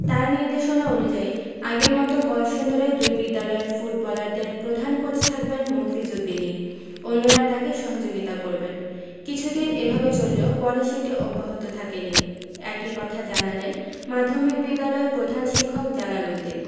তাঁর নির্দেশনা অনুযায়ী আগের মতো কলসিন্দুরের দুই বিদ্যালয়ের ফুটবলারদের প্রধান কোচ থাকবেন মফিজ উদ্দিনই অন্যরা তাঁকে সহযোগিতা করবেন কিছুদিন এভাবে চললেও পরে সেটি অব্যাহত থাকেনি একই কথা জানালেন মাধ্যমিক বিদ্যালয়ের প্রধান শিক্ষক জালাল উদ্দিন